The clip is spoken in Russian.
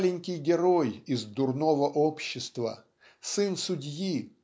маленький герой из "Дурного общества" сын судьи